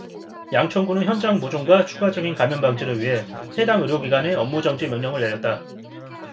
양천구는 현장 보존과 추가적인 감염 방지를 위해 해당 의료기관에 업무정지 명령을 내렸다